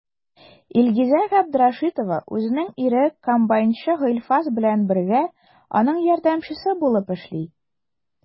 Илгизә Габдрәшитова үзенең ире комбайнчы Гыйльфас белән бергә, аның ярдәмчесе булып эшли.